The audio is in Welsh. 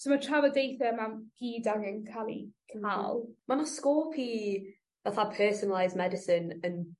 So ma' trafodaethe 'ma'n gyd angen ca'l 'u ca'l. Ma' 'na scope i fatha personalised medicine yn